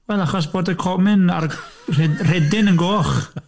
Wel, achos bod y comin a'r rhe- rhedyn yn goch!